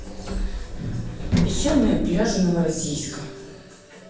песчаные пляжи новороссийска